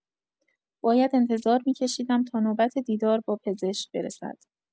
باید انتظار می‌کشیدم تا نوبت دیدار با پزشک برسد.